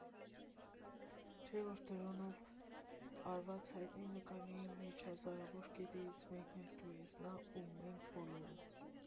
Չէ՞ որ դրոնով արված հայտնի նկարների մեջ հազարավոր կետերից մեկն էլ դու ես, նա ու մենք բոլորս։